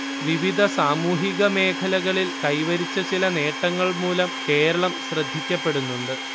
വിവിധ സാമൂഹിക മേഖലകളിൽ കൈവരിച്ച ചില നേട്ടങ്ങൾ മൂലം കേരളം ശ്രദ്ധിക്കപ്പെടുന്നുണ്ട്